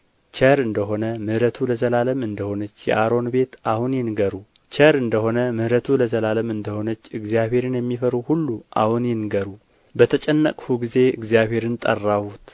ቸር እንደ ሆነ ምሕረቱ ለዘላለም እንደ ሆነች የአሮን ቤት አሁን ይንገሩ ቸር እንደ ሆነ ምሕረቱ ለዘላለም እንደ ሆነች እግዚአብሔርን የሚፈሩ ሁሉ አሁን ይንገሩ በተጨነቅሁ ጊዜ እግዚአብሔርን ጠራሁት